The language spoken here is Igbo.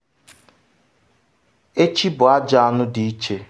Echi bụ ajọ anụ dị iche.